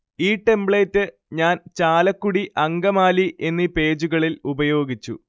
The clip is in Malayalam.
ഈ ടെമ്പ്ലേറ്റ് ഞാൻ ചാലക്കുടി അങ്കമാലി എന്നീ പേജുകളിൽ ഉപയോഗിച്ചു